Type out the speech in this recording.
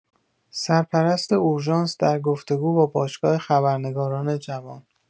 سرپرست اورژانس در گفتگو با باشگاه خبرنگاران جوان